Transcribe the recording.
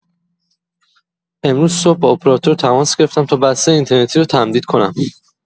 امروز صبح با اپراتور تماس گرفتم تا بسته اینترنتی رو تمدید کنم.